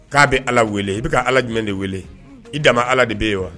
K'a bɛ ala wele i bɛ ka ala jumɛn de wele i da ala de bɛ yen wa